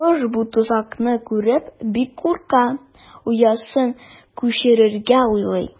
Кош бу тозакны күреп бик курка, оясын күчерергә уйлый.